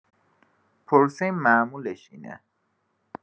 پروسه معمولش اینه.